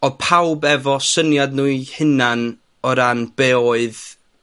odd pawb efo syniad nhw 'u hunan o ran be' oedd